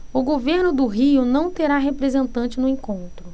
o governo do rio não terá representante no encontro